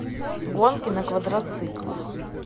гонки на квадроциклах